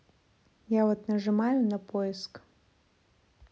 я вот нажимаю на поиск